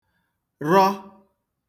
rọ